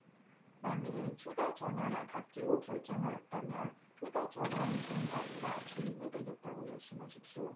만일 휴대 전화를 갖기로 결정하였다면 휴대 전화의 종이 아니라 주인이 되겠다고 결심하십시오